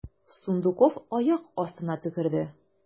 Сундуков аяк астына төкерде.